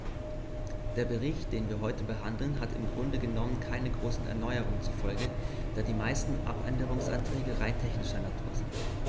Der Bericht, den wir heute behandeln, hat im Grunde genommen keine großen Erneuerungen zur Folge, da die meisten Abänderungsanträge rein technischer Natur sind.